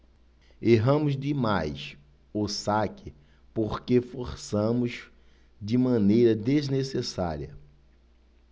erramos demais o saque porque forçamos de maneira desnecessária